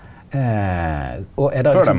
og er der liksom.